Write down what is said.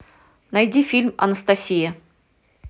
найди фильм анастасия